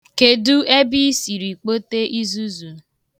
Kedu ebe ị siri kpote izuzu?